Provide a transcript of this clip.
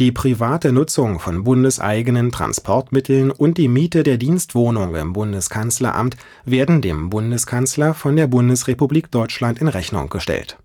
private Nutzung von bundeseigenen Transportmitteln und die Miete der Dienstwohnung im Bundeskanzleramt werden dem Bundeskanzler von der Bundesrepublik Deutschland in Rechnung gestellt